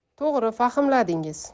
to'g'ri fahmladingiz